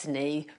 neu